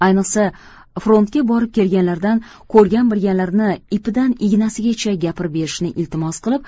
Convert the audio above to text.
ayniqsa frontga borib kelganlardan ko'rgan bilganlarini ipidan ignasigacha gapirib berishni iltimos qilib